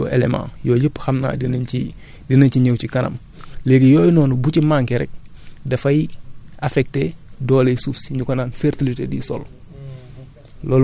ak lu ñu naan les oligo élément yooyu yépp xam naa dinañ ci dinañ ci ñëw ci kanam léegi yooyu noonu bu ci manqué rekk dafay affecté dooley suuf si ñu ko naan fertilité du sol